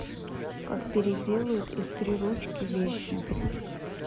как переделают из три ручки вещи